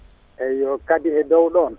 eyyo kadi e dow ɗon